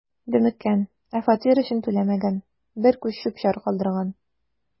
„дөмеккән, ә фатир өчен түләмәгән, бер күч чүп-чар калдырган“.